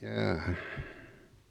jaaha